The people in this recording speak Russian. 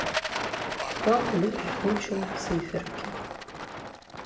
два плюс учим циферки